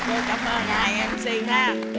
hai em si nha